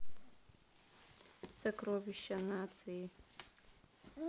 сокровища нации